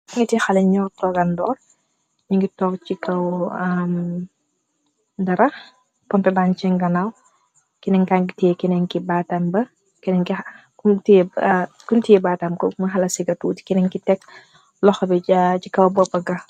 Ñetti xalèh ñu tóóga ndor ñu ngi tóóg ci kaw dara, pompé ba ngi sèèn ganaw. Kenen ka ngi teyeh kenen ki batam ba. Kum teyeh bantam mo xawa sega tutti. Kenen ki tèg loxom bi ci kaw bópa nga.